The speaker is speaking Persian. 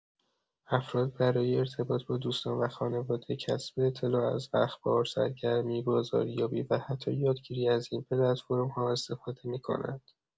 افراد برای ارتباط با دوستان و خانواده، کسب اطلاع از اخبار، سرگرمی، بازاریابی و حتی یادگیری از این پلتفرم‌ها استفاده می‌کنند.